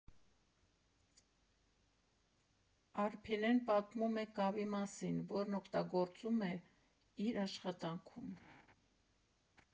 Արփինեն պատմում է կավի մասին, որն օգտագործում է իր աշխատանքում.